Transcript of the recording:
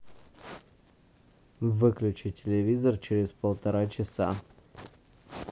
выключи телевизор через полтора часа